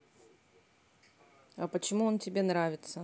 а почему он тебе нравится